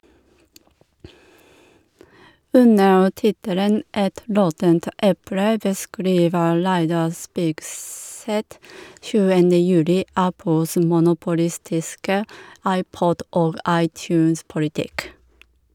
Under tittelen «Et råttent eple» beskriver Reidar Spigseth 7. juli Apples monopolistiske iPod- og iTunes-politikk.